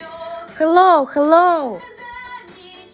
hello hello